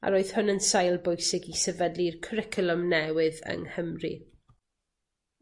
A roedd hwn yn sail bwysig i sefydlu'r cwricwlwm newydd yng Nghymru.